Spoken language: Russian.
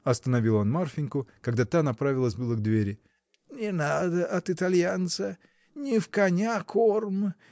— остановил он Марфиньку, когда та направилась было к двери, — не надо от итальянца, не в коня корм!